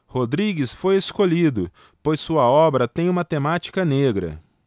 rodrigues foi escolhido pois sua obra tem uma temática negra